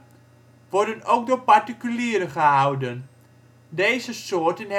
worden ook door particulieren gehouden. Deze soorten